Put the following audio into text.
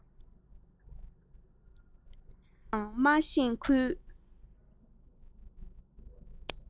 ཤེས ནའང མ ཤེས ཁུལ